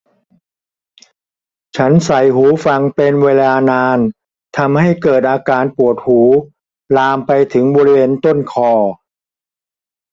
ฉันใส่หูฟังเป็นเวลานานทำให้เกิดอาการปวดหูลามไปถึงบริเวณต้นคอ